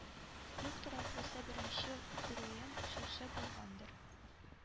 Юктыр ахрысы беренче күрүем шушы булгандыр